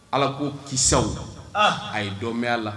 Ala ko kisaw a ye dɔ mɛ a la.